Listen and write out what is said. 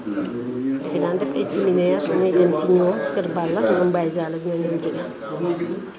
da fi daan def ay seminaire ñuy dem ci ñoom Kër Ball Baye Zale ak ñun ak ñoom Diegane